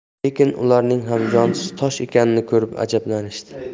lekin ularning ham jonsiz tosh ekanini ko'rib ajablanishdi